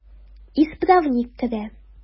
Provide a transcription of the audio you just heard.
Исправник керә.